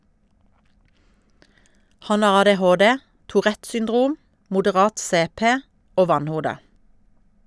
Han har ADHD , tourette syndrom, moderat CP og vannhode.